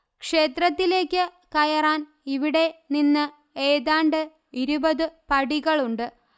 ക്ഷേത്രത്തിലേയ്ക്ക് കയറാൻ ഇവിടെ നിന്ന് ഏതാണ്ട് ഇരുപത് പടികളുണ്ട്